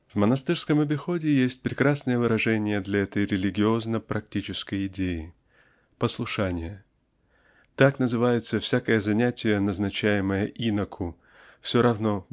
В монастырском обиходе есть прекрасное выражение для этой религиозно-практической идеи послушание. Так называется всякое занятие назначаемое иноку все равно